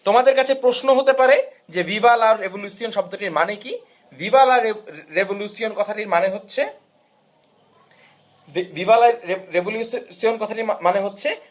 তোমাদের কাছে প্রশ্ন হতে পারে যে ভিভা লা রিভলিউশন শব্দটির মানে কি ভিভা লা রেভোলুসিয়ন কথাটির মানে হচ্ছে ভিভা লা রেভোলুসিয়ন কথাটির মানে হচ্ছে